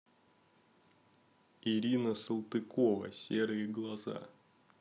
ирина салтыкова серые глаза